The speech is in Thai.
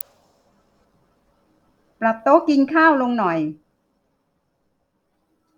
ปรับโต๊ะกินข้าวลงหน่อย